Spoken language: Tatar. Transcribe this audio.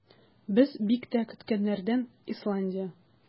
Без бик тә көткәннәрдән - Исландия.